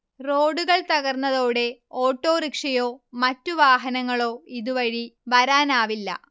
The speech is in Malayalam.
റോഡുകൾ തകർന്നതോടെ ഓട്ടോറിക്ഷയോ മറ്റ് വാഹനങ്ങളോ ഇതുവഴി വരാനാവില്ല